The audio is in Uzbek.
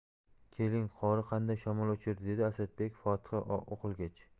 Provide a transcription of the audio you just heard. keling qori qanday shamol uchirdi dedi asadbek fotiha o'qilgach